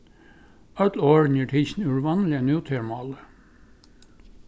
øll orðini eru tikin úr vanligum nútíðarmáli